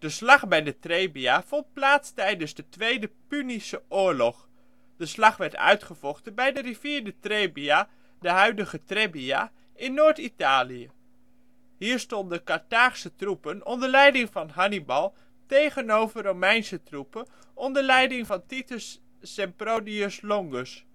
slag bij de Trebia vond plaats tijdens de tweede Punische oorlog. De slag werd uitgevochten bij de rivier de Trebia (de huidige Trebbia) in Noord-Italië. Hier stonden Carthaagse troepen onder leiding van Hannibal tegen over Romeinse troepen onder leiding van Titus Sempronius Longus